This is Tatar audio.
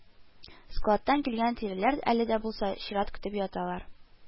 Складтан килгән тиреләр әле дә булса чират көтеп яталар